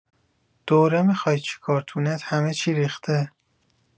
دوره میخای چیکار تو نت همه چی ریخته